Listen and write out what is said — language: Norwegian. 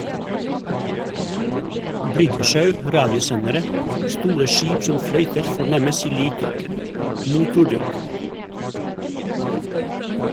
Bryggesjau, radiosendere, store skip som fløyter fornemmes i lydtåken, motordunk.